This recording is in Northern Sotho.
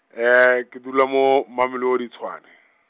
ke dula mo, Mamelodi Tshwane.